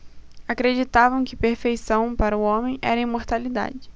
acreditavam que perfeição para o homem era a imortalidade